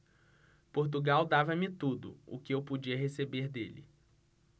portugal dava-me tudo o que eu podia receber dele